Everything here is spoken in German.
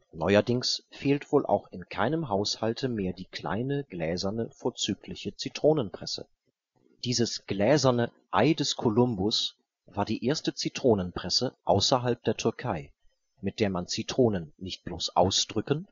Neuerdings fehlt wohl auch in keinem Haushalte mehr die kleine gläserne vorzügliche Zitronenpresse. “Dieses gläserne „ Ei des Columbus “war die erste Zitronenpresse außerhalb der Türkei, mit der man Zitronen nicht bloß ausdrücken